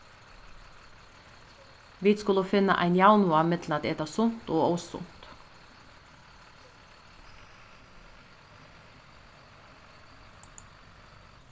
vit skulu finna ein javnvág millum at eta sunt og ósunt